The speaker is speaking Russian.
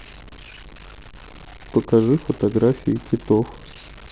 покажи фотографии китов